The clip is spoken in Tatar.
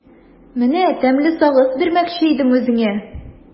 Менә тәмле сагыз бирмәкче идем үзеңә.